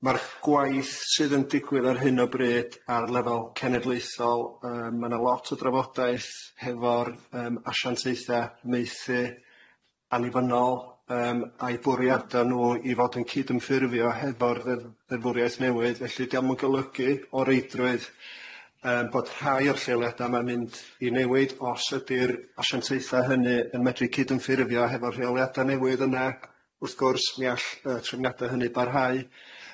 Ma'r gwaith sydd yn digwydd ar hyn o bryd ar lefel cenedlaethol yy ma' 'na lot o drafodaeth hefo'r yym asiantaetha maethu annibynnol yym a'u bwriada n'w i fod yn cydymffurfio hefo'r ddeddf- ddeddfwriaeth newydd felly 'dio'm yn golygu o reidrwydd yym bod rhai o'r lleoliada ma'n mynd i newid os ydi'r asiantaetha hynny yn medru cydymffurfio hefo'r rheoliada newydd yna, wrth gwrs mi all yy trefniade hynny barhau.